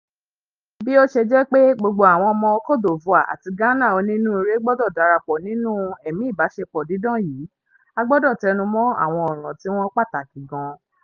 Bí ó ṣe jẹ́ pé gbogbo àwọn ọmọ Cote d'Ivoire àti Ghana onínúure gbọdọ̀ darapọ̀ nínú ẹ̀mí ìbáṣepọ̀ dídán yìí a gbọdọ̀ tẹnumọ́ àwọn ọ̀ràn tí wọ́n pàtàkì gan.